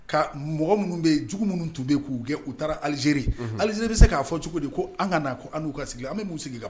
Ka mɔgɔ minnu bɛ jugu minnu tun bɛ k'u gɛn u taara alizeri alize bɛ se k'a fɔ cogo de ko an ka an' ka sigi an b'u sigi la